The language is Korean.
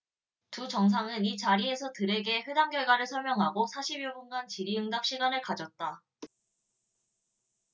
두 정상은 이 자리에서 들에게 회담 결과를 설명하고 사십 여분간 질의응답 시간을 가졌다